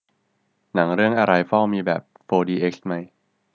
หนังเรื่องอะไรวอลมีแบบโฟร์ดีเอ็กซ์มั้ย